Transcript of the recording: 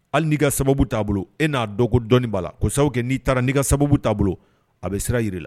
Hali n'i ka sababu taabolo bolo e n'a dɔn ko dɔnni b'a la k'o sababu kɛ n'i taara n'i ka sababu t'a bolo a bɛ sira jir'i la